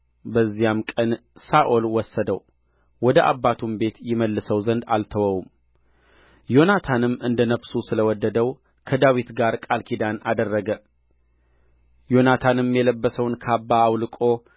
በዚያም ቀን ሳኦል ወሰደው ወደ አባቱም ቤት ይመልሰው ዘንድ አልተወውም ዮናታንም እንደ ነፍሱ ስለ ወደደው ከዳዊት ጋር ቃል ኪዳን አደረገ ዮናታንም የለበሰውን ካባ አውልቆ